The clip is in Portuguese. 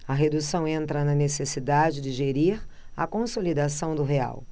a redução entra na necessidade de gerir a consolidação do real